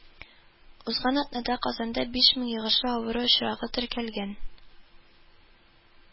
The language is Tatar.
Узган атнада Казанда биш мең йогышы авыру очрагы теркәлгән